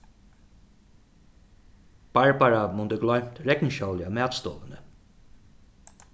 barbara mundi gloymt regnskjólið á matstovuni